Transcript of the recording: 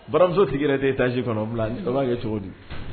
Baramuso tigikɛɛrɛ tɛ taasi kɔnɔ bila baba b'a kɛ cogo di